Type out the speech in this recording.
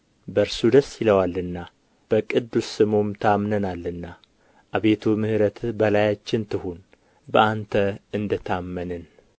በእርሱ ደስ ይለዋልና በቅዱስ ስሙም ታምነናልና አቤቱ ምሕረትህ በላያችን ትሁን በአንተ እንደ ታመንን